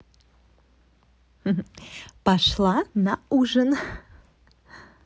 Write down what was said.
пошла на ужин